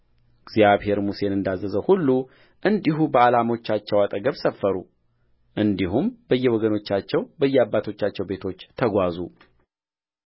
እግዚአብሔር ሙሴን እንዳዘዘው ሁሉ እንዲሁ በዓላሞቻቸው አጠገብ ሰፈሩ እንዲሁም በየወገኖቻቸው በየአባቶቻቸው ቤቶች ተጓዙ